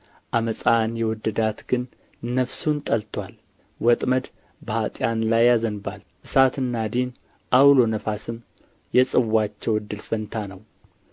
ዓመፃን የወደዳት ግን ነፍሱን ጠልቶአል ወጥመድ በኅጥኣን ላይ ያዘንባል እሳትና ዲን ዐውሎ ነፋስም የጽዋቸው እድል ፈንታ ነው